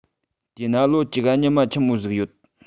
དེས ན ལོ གཅིག ག ཉི མ ཆི མོ ཟིག ཡོད